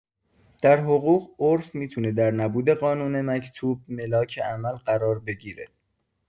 در حقوق، عرف می‌تونه در نبود قانون مکتوب ملاک عمل قرار بگیره.